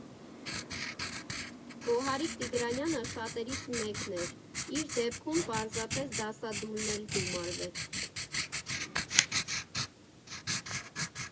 Գոհարիկ Տիգրանյանը շատերից մեկն էր, իր դեպքում պարզապես դասադուլն էլ գումարվեց։